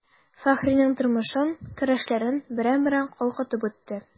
Фәхринең тормышын, көрәшләрен берәм-берәм калкытып үтте.